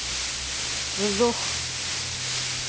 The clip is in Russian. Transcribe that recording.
вздох